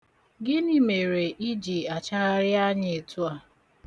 Gịnị mere i ji achagharị anya etu a?